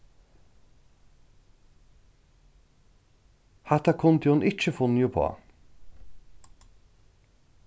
hatta kundi hon ikki funnið uppá